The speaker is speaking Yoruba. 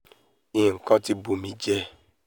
nkan ti bù mí jẹ!'